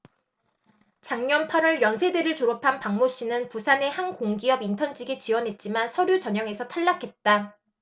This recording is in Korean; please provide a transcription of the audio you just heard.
작년 팔 월 연세대를 졸업한 박모씨는 부산의 한 공기업 인턴 직에 지원했지만 서류 전형에서 탈락했다